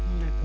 d' accord